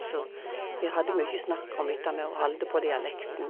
Så vi hadde mye snakk om dette med å holde på dialekten.